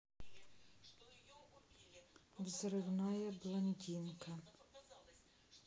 взрывная блондинка